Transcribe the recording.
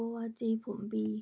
โกวาจีผมบี